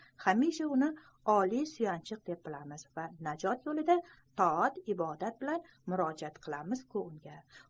hamisha uni oliy suyanchiq deb bilamiz va najot yo'lida toat ibodat bilan murojaat qilamiz ku unga